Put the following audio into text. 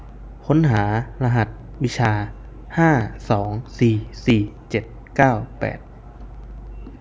ค้นหารหัสวิชาห้าสองสี่สี่เจ็ดเก้าแปด